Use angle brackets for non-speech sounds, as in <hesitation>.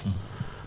<hesitation> <hesitation>